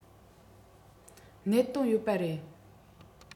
གནད དོན ཡོད པ རེད